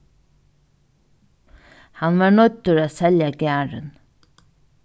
hann varð noyddur at selja garðin